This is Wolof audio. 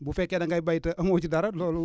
bu fekkee da ngay béy te amoo ci dara loolu